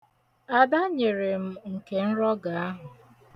Ada nyere m nke nrọgọ ahụ.